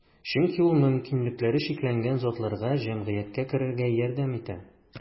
Чөнки ул мөмкинлекләре чикләнгән затларга җәмгыятькә керергә ярдәм итә.